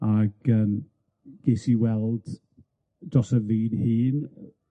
Ag yym ges i weld dros y fi'n hun